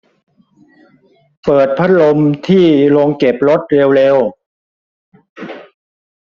เปิดพัดลมที่โรงเก็บรถเร็วเร็ว